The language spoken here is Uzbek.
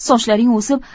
sochlaring o'sib